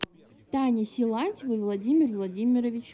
таня силантьевой владимир владимирович